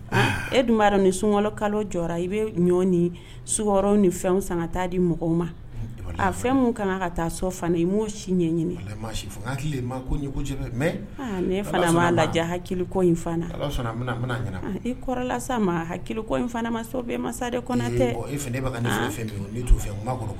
Sun jɔ i bɛ ni fɛn san ka taa di mɔgɔw ma fɛn kan ka taa so i' si ɲɛ ɲini hakili i ma hakili masa tɛ